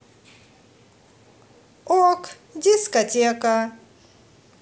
ок дискотека